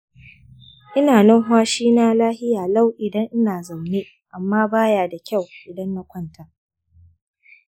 ina numfashi na lafiya lau idan ina zauna amma baya da kyau idan na kwanta.